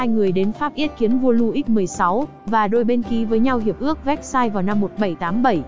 người đến pháp yết kiến vua louis xvi và đôi bên kí với nhau hiệp ước versailles vào năm